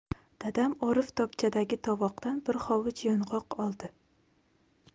dadam orif tokchadagi tovoqdan bir hovuch yong'oq oldi